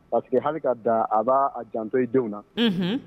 Parceriseke que hali kaa da a b'a jantɔ ye denw na